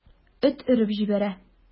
Эт өреп җибәрә.